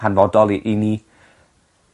hanfodol i i ni.